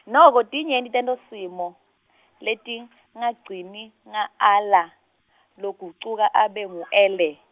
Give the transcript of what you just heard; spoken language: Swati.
noko tinyenti tentosimo, letingagcini nga ala, logucuka abe ngu ele.